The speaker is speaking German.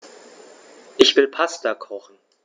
Ich will Pasta kochen.